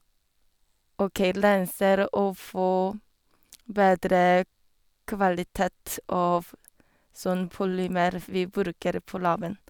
OK, renser å få bedre kvalitet av sånn polymer vi bruker på laben.